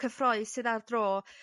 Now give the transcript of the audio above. cyffrous sydd ar dro